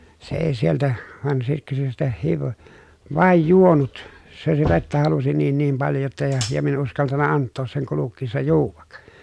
se ei sieltä vaan sitten se sitä - vain juonut se - vettä halusi niin niin paljon jotta ja ja minä en uskaltanut antaa sen kulkiessa juoda